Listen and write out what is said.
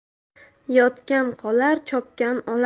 yotgan qolar chopgan olar